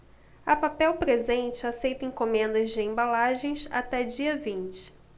a papel presente aceita encomendas de embalagens até dia vinte